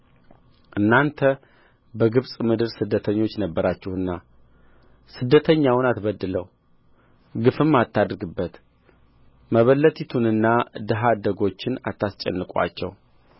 እናንተ በግብፅ ምድር ስደተኞች ነበራችሁና ስደተኛውን አትበድለው ግፍም አታድርግበት መበለቲቱንና ድሀ አደጎቹን አታስጨንቁአቸው